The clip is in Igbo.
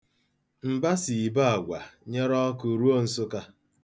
Mba si Ịbagwa nyere ọkụ ruo Nsụka.